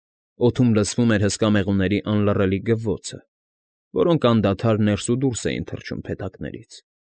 Օդում լսվում էր հսկա մեղուների անլռելի գվվոցը, որոնք անդադար ներս ու դուրս էին թռչում փեթակներից։